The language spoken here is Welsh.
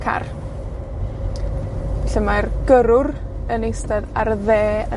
car. Felly mae'r gyrrwr yn eistedd ar y dde yn